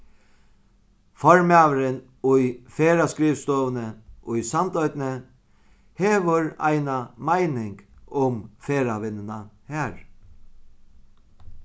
formaðurin í ferðaskrivstovuni í sandoynni hevur eina meining um ferðavinnuna har